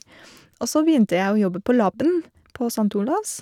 Og så begynte jeg å jobbe på laben på Sankt Olavs.